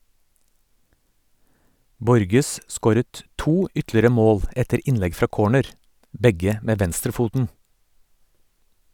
Borges scoret to ytterligere mål etter innlegg fra corner, begge med venstrefoten.